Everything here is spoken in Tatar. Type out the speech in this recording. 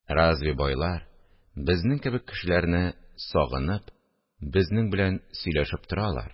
– разве байлар, безнең кебек кешеләрне сагынып, безнең белән сөйләшеп торалар